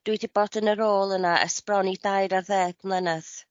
Dwi 'di bod yn y rôl yna ers bron i dair ar ddeg mlynedd